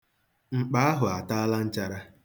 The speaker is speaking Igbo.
Mkpa ahụ ataala nchara.